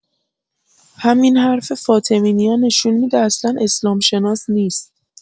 همین حرف فاطمی نیا نشون می‌ده اصلا اسلام‌شناس نیست